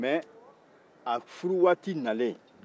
mais a furu waati nalen